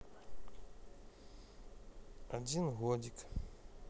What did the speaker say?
один годик